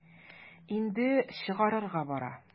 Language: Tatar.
Инде чыгарга бара.